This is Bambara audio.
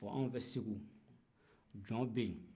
bon anw fɛ segu jɔn bɛ yen